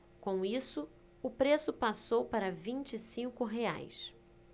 com isso o preço passou para vinte e cinco reais